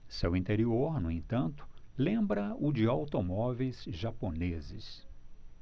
seu interior no entanto lembra o de automóveis japoneses